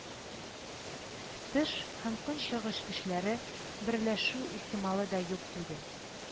Тыш һәм көнчыгыш көчләре берләшү ихтималы да юк түгел